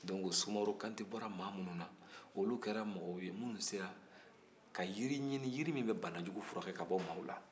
donc sumaworo kantɛ bɔra maa minnu na olu kɛra mɔgɔw minnu sera ka jiri ɲini jiri min bɛ bana jugu furakɛ ka bɔ mɔgɔw la